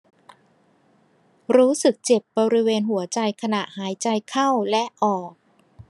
รู้สึกเจ็บบริเวณหัวใจขณะหายใจเข้าและออก